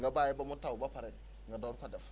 nga bàyyi ba mu taw ba pare nga door ko def